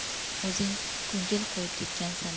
o'zing ko'ngil qo'yib tekkansan